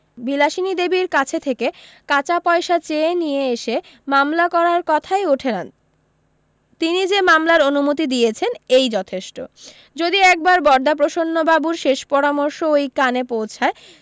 বিলাসিনী দেবীর কাছে থেকে কাঁচা পয়সা চেয়ে নিয়ে এসে মামলা করার কথাই ওঠে না তিনি যে মামলার অনুমতি দিয়েছেন এই যথেষ্ট যদি একবার বরদাপ্রসন্নবাবুর শেষ পরামর্শ ওঁর কানে পৌঁছায়